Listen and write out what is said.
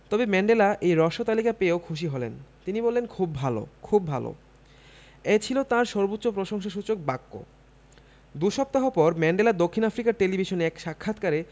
তবে ম্যান্ডেলা এই হ্রস্ব তালিকা পেয়েও খুশি হলেন তিনি বললেন খুব ভালো খুব ভালো এ ছিল তাঁর সর্বোচ্চ প্রশংসাসূচক বাক্য দুই সপ্তাহ পর ম্যান্ডেলা দক্ষিণ আফ্রিকার টেলিভিশনে এক সাক্ষাৎকারে